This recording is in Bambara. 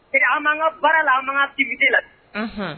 Ee an'an ka baara la an' dibite la